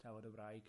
Tafod y wraig.